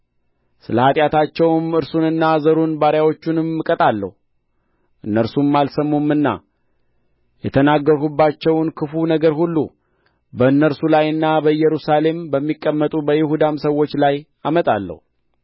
ስለ ኃጢአታቸውም እርሱንና ዘሩን ባሪያዎቹንም እቀጣለሁ እነርሱም አልሰሙምና የተናገርሁባቸውን ክፉ ነገር ሁሉ በእነርሱ ላይና በኢየሩሳሌም በሚቀመጡ በይሁዳም ሰዎች ላይ አመጣለሁ